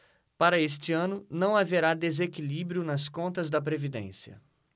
para este ano não haverá desequilíbrio nas contas da previdência